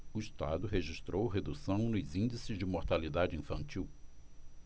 o estado registrou redução nos índices de mortalidade infantil